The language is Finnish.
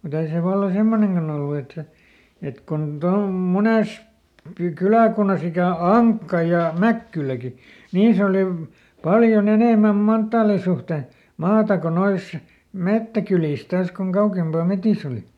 mutta ei se vallan semmoinenkaan ollut että se että kun - monessa - kyläkunnassa ikänä Ankka ja Mäkkyläkin niissä - paljon enemmän manttaalin suhteen maata kuin noissa metsäkylissä taas kuin kauempana metsissä oli